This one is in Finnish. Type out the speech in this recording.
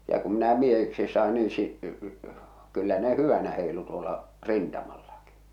ja kun minä miehiksi sain niin - kyllä ne hyvänä heilui tuolla rintamallakin